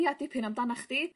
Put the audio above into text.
ia dipyn amdanach chdi.